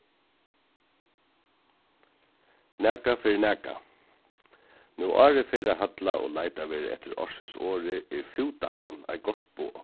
nakað fyri nakað nú árið fer at halla og leita verður eftir ársins orði er fútabann eitt gott boð